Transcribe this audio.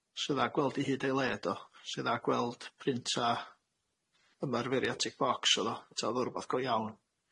Sa'n dda gweld 'i hyd ei led o. Sa 'i'n dda gweld print ta ymarferiad tick-box o'dd o, ta o'dd o rwbath go iawn.